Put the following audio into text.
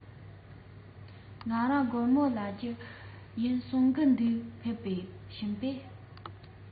ཁྱེད རང གོར མོ ལ ཀྱི ཡིན གསུང གི འདུག ཕེབས པས ཕྱིན པས